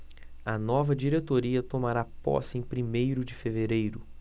a nova diretoria tomará posse em primeiro de fevereiro